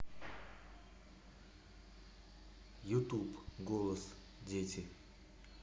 ютюб голос дети